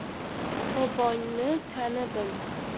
bobongni tanirdim